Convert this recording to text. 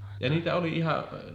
ja niitä oli ihan